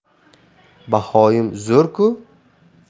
bahoim zo'r ku